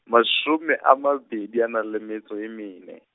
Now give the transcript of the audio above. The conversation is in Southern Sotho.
mashome a mabedi a nang leng metso e mene.